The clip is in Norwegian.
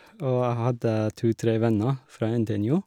Og jeg hadde to tre venner fra NTNU.